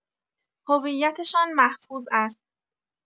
هویتشان محفوظ است.